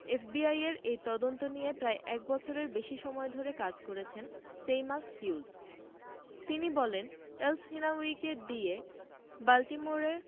এফবিআইয়ের এই তদন্ত নিয়ে প্রায় এক বছরের বেশি সময় ধরে কাজ করেছেন সেইমাস হিউজ তিনি বলেন এলসহিনাউয়িকে দিয়ে বাল্টিমোরে